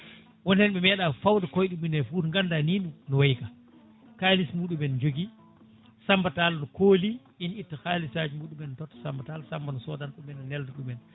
woni hen ɓe meeɗa fawde koyɗe mumen e Fouta ganda ni no way ga kalis muɗum joogui Samba Tall kooli ina itta halisaji muɗumen ne toota Samba Tall Samba ne sodana ɗumen ene nelda ɗumen